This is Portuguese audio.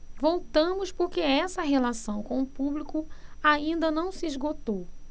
voltamos porque essa relação com o público ainda não se esgotou